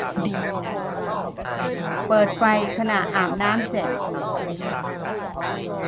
เปิดไฟขณะอาบน้ำเสร็จ